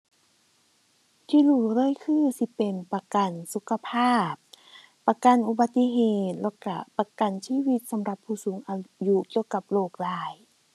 ที่รู้เลยคือสิเป็นประกันสุขภาพ ประกันอุบัติเหตุ แล้วก็ประกันชีวิตสำหรับผู้สูงอายุเกี่ยวกับเป็นโรคร้าย